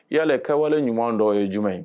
Y'aale kawale ɲuman dɔ ye jumɛn ye